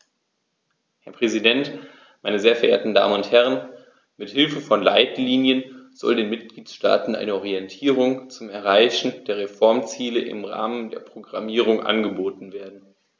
Herr Präsident, meine sehr verehrten Damen und Herren, mit Hilfe von Leitlinien soll den Mitgliedstaaten eine Orientierung zum Erreichen der Reformziele im Rahmen der Programmierung angeboten werden.